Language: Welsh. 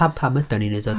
Pa- pam ydan ni'n wneud o de.